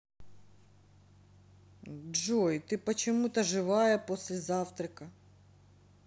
джой ты почему то живая после завтрака